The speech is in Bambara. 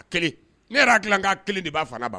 A kelen ne yɛrɛ hakili la k’an kelen de b’a fa n’a ba bolo.